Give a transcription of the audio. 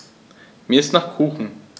Mir ist nach Kuchen.